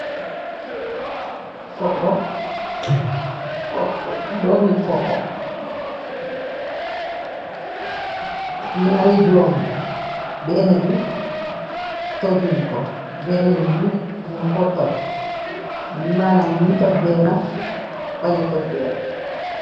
doomi koko ñaari doomi benn bi tojuñ ko bennn bi ñu ko toj maanam ñu ni toj benn baña toj benn